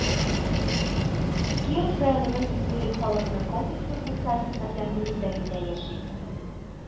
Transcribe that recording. Киров районының Изгелек халыкны комплекслы социаль хезмәтләндерү үзәгендә яши